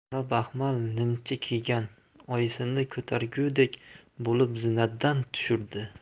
qora baxmal nimcha kiygan oyisini ko'targudek bo'lib zinadan tushirdi